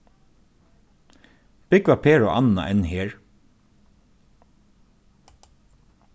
búgva per og anna enn her